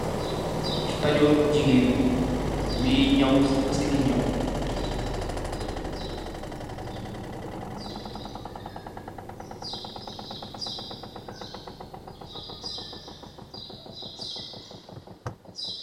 Tachor bu jegain buye chew se machine ne chew.